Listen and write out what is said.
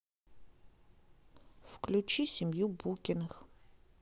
включи семью букиных